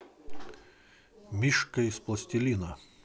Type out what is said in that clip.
мишка из пластилина